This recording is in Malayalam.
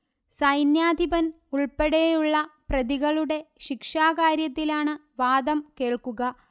സൈന്യാധിപൻ ഉൾപ്പെടെയുള്ള പ്രതികളുടെ ശിക്ഷാ കാർയത്തിലാണ് വാദം കേള്ക്കുക